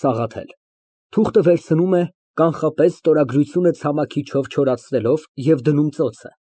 ՍԱՂԱԹԵԼ ֊ (Թուղթը վերցնում է, կանխապես ստորագրությունը ցամաքիչով չորացնելով, և ծոցը դնում)։